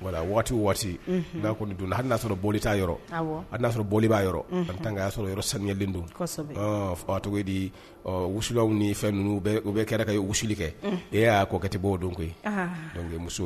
Waati waati b'a kɔni don hali n'a sɔrɔ bolioli t' yɔrɔ a n y'a sɔrɔ bolioli b'a yɔrɔ y'a sɔrɔ yɔrɔ sanuyɛlen don ɔ tɔgɔ di wusuyaw ni fɛn ninnu u bɛ kɛra ka wusuli kɛ e y'a kɔ kɛtɛ bɔ don koyi bɛ muso